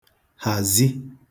hàzi